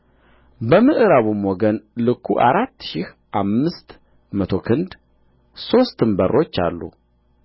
በምዕራቡም ወገን ልኩ አራት ሺህ አምስት መቶ ክንድ ሦስትም በሮች አሉ